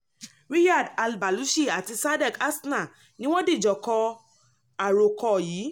Riyadh Al Balushi àti Sadeek Hasna ni wọ́n dìjọ kọ àròkọ yìí.